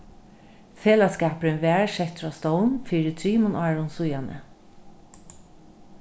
felagsskapurin varð settur á stovn fyri trimum árum síðani